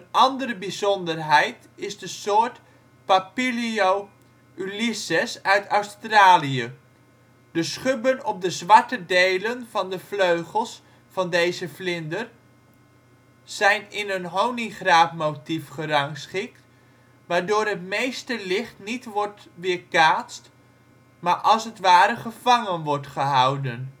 andere bijzonderheid is de soort Papilio ulysses uit Australië. De schubben op de zwarte delen van de vleugels van deze vlinder, afgebeeld onder het kopje vleugels, zijn in een honingraatmotief gerangschikt, waardoor het meeste licht niet wordt weerkaatst maar als het ware gevangen wordt gehouden